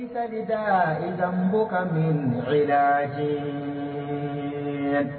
I kadida ibɔ ka min mɔgɔ yi la ye